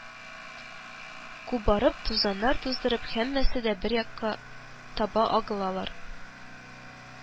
Кубарып, тузаннар туздырып, һәммәсе дә бер якка таба агылалар